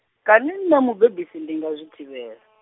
kani nṋe mubebisi ndi nga zwi thivhela?